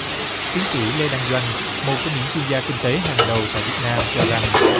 tiến sĩ lê đăng doanh một trong những chuyên gia kinh tế hàng đầu tại việt nam cho rằng